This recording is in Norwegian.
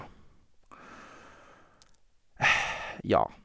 Ja.